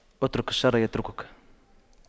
اترك الشر يتركك